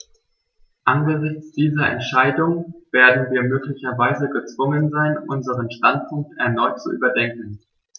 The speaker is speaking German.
Angesichts dieser Entscheidung werden wir möglicherweise gezwungen sein, unseren Standpunkt erneut zu überdenken.